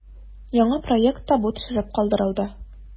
Яңа проектта бу төшереп калдырылды.